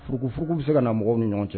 furukufuruku bɛ se ka na mɔgɔw ni ɲɔgɔn cɛ